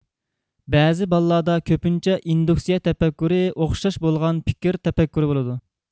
بەزى بالىلاردا كۆپىنچە ئىندۇكسىيە تەپەككۇرى ئوخشاش بولغان پىكىر تەپەككۇرى بولىدۇ